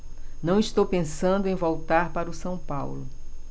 não estou pensando em voltar para o são paulo